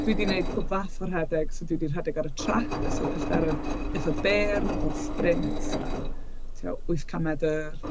Dwi 'di wneud pob fath o rhedeg. So, dwi 'di rhedeg ar y trac. So, pellteroedd eitha byr, fel sprints a tibod wyth cant medr.